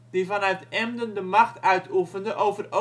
die vanuit Emden de macht uitoefende over